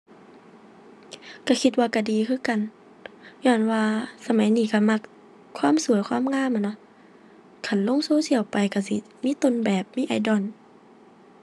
ก็คิดว่าก็ดีคือกัน ญ้อนว่าสมัยนี้ก็มักความสวยความงามอะเนาะ คันลงโซเชียลไปก็สิมีต้นแบบ มีไอดอล